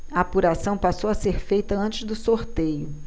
a apuração passou a ser feita antes do sorteio